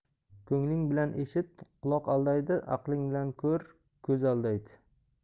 ko'ngling bilan eshit quloq aldaydi aqling bilan ko'r ko'z aldaydi